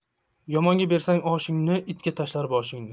yomonga bersang oshingni itga tashlar boshingni